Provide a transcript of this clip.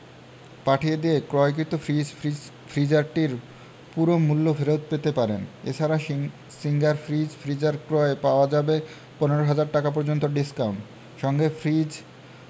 পাঠিয়ে দিয়ে ক্রয়কৃত ফ্রিজ ফ্রিজারটির পুরো মূল্য ফেরত পেতে পারেন এ ছাড়া সিঙ্গার ফ্রিজ ফ্রিজার ক্রয়ে পাওয়া যাবে ১৫ ০০০ টাকা পর্যন্ত ডিসকাউন্ট সঙ্গে ফ্রিজ